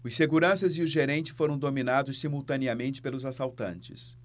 os seguranças e o gerente foram dominados simultaneamente pelos assaltantes